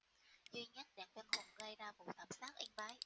duy nhất đặng văn hùng gây ra vụ thảm sát yên bái